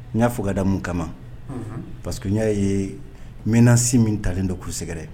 N y'a fo damu kama y'a ye mɛnnasi min talen don k'u sɛgɛrɛ